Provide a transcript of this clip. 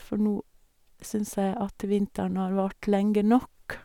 For nå syns jeg at vinteren har vart lenge nok.